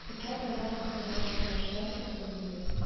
Текә байлар кызыгырлык яшьтән уздым инде